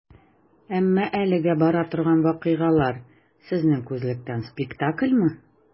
Әмма әлегә бара торган вакыйгалар, сезнең күзлектән, спектакльмы?